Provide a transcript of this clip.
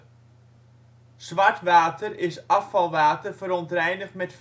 Zwart water is afvalwater verontreinigd met